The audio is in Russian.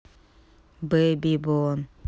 беби бон